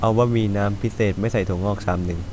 เอาบะหมี่น้ำพิเศษไม่ใส่ถั่วงอกชามนึง